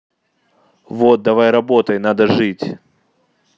вот давай работай надо жить